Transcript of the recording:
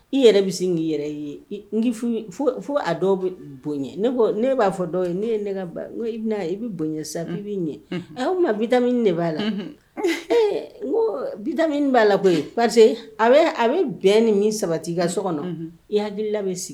I yɛrɛ bɛ se k'i yɛrɛ i ye n fo a bɛ bonya ne b'a fɔ ye ne ye ne i bɛ bonya sa i bɛ ɲɛ o ma bida de b'a la n ko bida b'a la ko pa a a bɛ bɛn ni min sabati ka so kɔnɔ i hakili labɛn bɛ sigi